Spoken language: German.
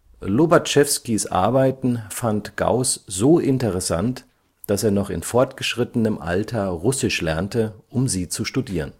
Lobatschewskis Arbeiten fand Gauß so interessant, dass er noch in fortgeschrittenem Alter Russisch lernte, um sie zu studieren